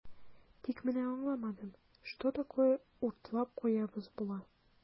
Тик менә аңламадым, что такое "уртлап куябыз" була?